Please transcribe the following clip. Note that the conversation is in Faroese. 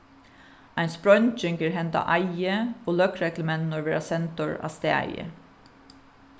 ein spreinging er hend á eiði og løgreglumenninir verða sendir á staðið